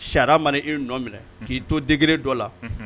Sara mana i nɔ minɛ k'i to digi dɔ la